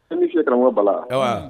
karamɔgɔ Bala, anba